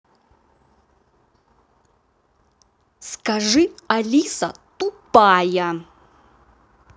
скажи алиса тупая